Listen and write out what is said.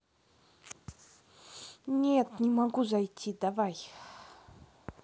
нет не могу зайти давай